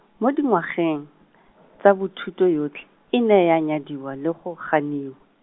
mo dingwageng , tsa bo thuto yotlhe, e ne ya nyadiwa le go, ganiwa.